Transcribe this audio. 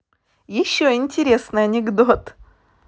еще интересный анекдот